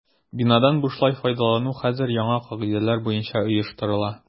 Бинадан бушлай файдалану хәзер яңа кагыйдәләр буенча оештырыла.